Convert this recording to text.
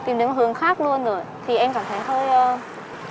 tìm đến một hướng khác luôn rồi ạ thì em cảm thấy hơi